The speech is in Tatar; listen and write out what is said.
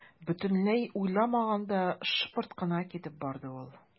Бөтенләй уйламаганда шыпырт кына китеп барды ул.